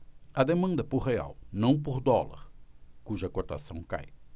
há demanda por real não por dólar cuja cotação cai